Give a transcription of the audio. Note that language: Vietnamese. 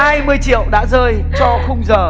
hai mươi triệu đã rơi cho khung giờ